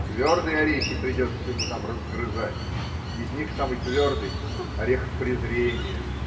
Твердые орехи придется ему там разгрызать: из них самый твердый – орех презрения.